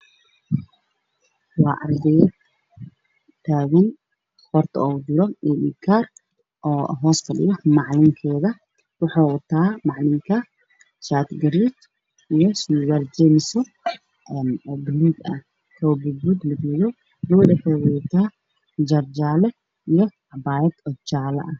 Waa ardayad hoos fadhido macalimadeda waxey wadataa dhar jaale ah